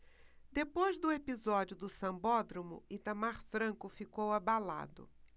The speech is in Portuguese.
depois do episódio do sambódromo itamar franco ficou abalado